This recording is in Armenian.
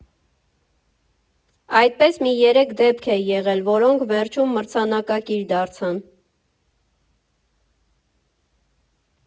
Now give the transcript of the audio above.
Այդպես մի երեք դեպք է եղել, որոնք վերջում մրցանակակիր դարձան։